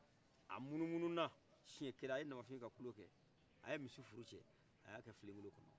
a munumuna siyen kelen a ye namafin ka kulekɛ a ye misi furucɛ a y'a kɛ filen kolon kɔnɔ